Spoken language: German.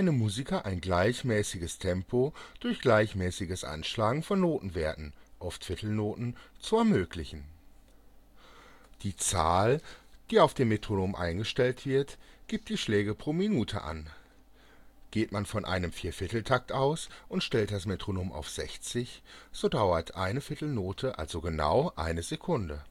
Musiker ein gleichmäßiges Tempo durch gleichmäßiges Anschlagen von Notenwerten (oft Viertel-Noten) zu ermöglichen. Die Zahl, die auf dem Metronom eingestellt wird, gibt die Schläge pro Minute an. Geht man von einem 4/4-Takt aus und stellt das Metronom auf 60, so dauert eine 1/4-Note also genau 1 Sekunde